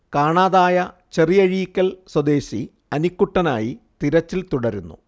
കാണാതായ ചെറിയഴീക്കൽ സ്വദേശി അനിക്കുട്ടനായി തിരച്ചിൽ തുടരുന്നു